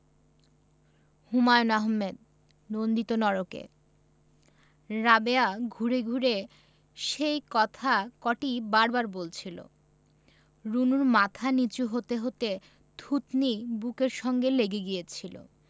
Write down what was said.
হুমায়ুন আহমেদ নন্দিত নরকে রাবেয়া ঘুরে ঘুরে সেই কথা কটিই বার বার বলছিলো রুনুর মাথা নীচু হতে হতে থুতনি বুকের সঙ্গে লেগে গিয়েছিলো